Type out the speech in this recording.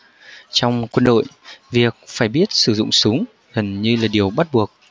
trong quân đội việc phải biết sử dụng súng gần như là điều bắt buộc